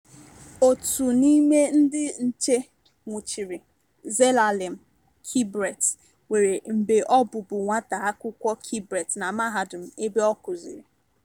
Ótù n'ime ndị nche nwụchiri Zelalem Kibret nwere mgbe ọ bụbu nwata akwụkwọ Kibret na mahadum ebe ọ kuziri.